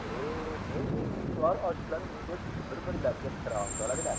ne ne umidvor oshiqlar uni deb bir birlariga qiron soladilar